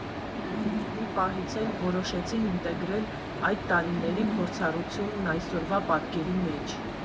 Մի պահից էլ որոշեցին ինտեգրել այդ տարիների փորձառությունն այսօրվա պատկերի մեջ։